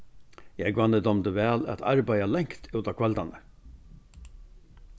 jógvani dámdi væl at arbeiða langt út á kvøldarnar